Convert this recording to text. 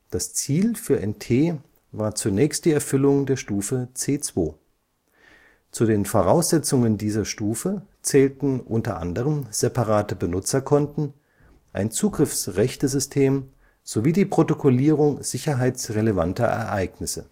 Das Ziel für NT war zunächst die Erfüllung der Stufe C2; zu den Voraussetzungen dieser Stufe zählten unter anderem separate Benutzerkonten, ein Zugriffsrechtesystem sowie die Protokollierung sicherheitsrelevanter Ereignisse